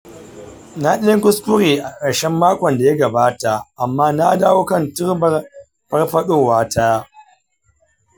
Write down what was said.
na ɗan yi kuskure a ƙarshen makon da ya gabata amma na dawo kan turbar farfadowata.